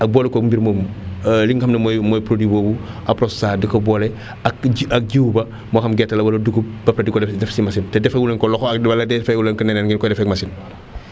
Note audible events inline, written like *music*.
ak boole koog mbir moomu *hesitation* li nga xam ne mooy mooy produit boobu Apronstar di ko boole ak ji ak jiwu ba moo xam gerte la wala dugub ba di ko def si machine te defeewuleen ko ak loxo wala defeewuleen ko neneen ngeen koy defee ak machine